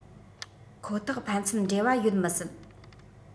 ཁོ ཐག ཕན ཚུན འབྲེལ བ ཡོད མི སྲིད